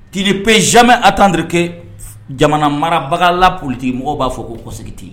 'ibi pe zme a tandeke jamana marabaga la politigi mɔgɔ b'a fɔ o ko ten